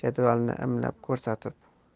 u jadvalni imlab ko'rsatib